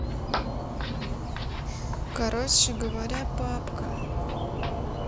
короче говоря папка